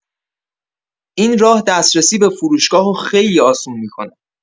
این راه دسترسی به فروشگاهو خیلی آسون می‌کنه.